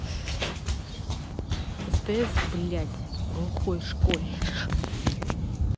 стс блядь глухой школьник